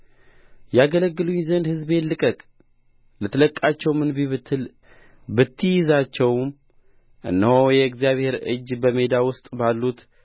ያገለግሉኝ ዘንድ ሕዝቤን ልቀቅ ልትለቅቃቸውም እንቢ ብትል ብትይዛቸውም እነሆ የእግዚአብሔር እጅ በሜዳ ውስጥ ባሉት